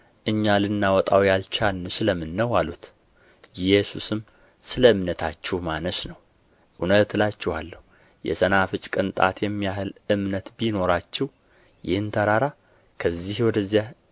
እኛ ልናወጣው ያልቻልን ስለ ምን ነው አሉት ኢየሱስም ስለ እምነታችሁ ማነስ ነው እውነት እላችኋለሁ የሰናፍጭ ቅንጣት የሚያህል እምነት ቢኖራችሁ ይህን ተራራ ከዚህ ወደዚያ